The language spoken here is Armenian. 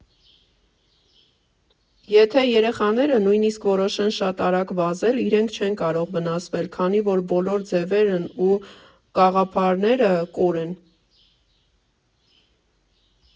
Եթե երեխաները նույնիսկ որոշեն շատ արագ վազել, իրենք չեն կարող վնասվել, քանի որ բոլոր ձևերն ու կաղապարները կոր են։